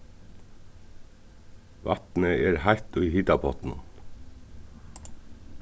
vatnið er heitt í hitapottinum